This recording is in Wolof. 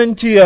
waaw